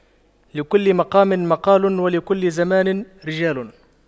لكل مقام مقال ولكل زمان رجال